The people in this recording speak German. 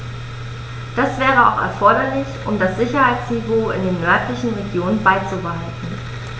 Das wäre auch erforderlich, um das Sicherheitsniveau in den nördlichen Regionen beizubehalten.